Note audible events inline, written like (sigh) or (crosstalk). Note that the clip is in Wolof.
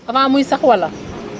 avant muy sax wala (noise)